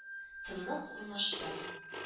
Тынлык урнашты